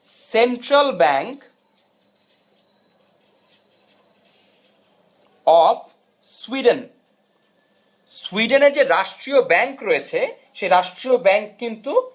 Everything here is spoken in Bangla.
সেন্ট্রাল ব্যাঙ্ক অফ সুইডেন সুইডেনের রাষ্ট্রীয় ব্যাংক রয়েছে সে রাষ্ট্রীয় ব্যাংক কিন্তু